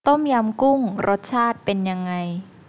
ต้มยำกุ้งรสชาติเป็นยังไง